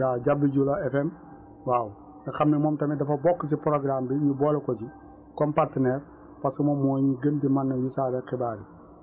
waaw Jabi jula FM waaw te xam ne moom tamit dafa bokk ci prgramme bi ñu boole ko si comme partenaire parce que moom moo ñuy gën di mën a wisaare xibaar yi